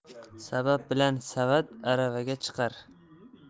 sabab bilan savat aravaga chiqar